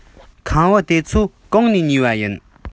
ཁམ བུ དེ ཚོ གང ནས ཉོས པ ཡིན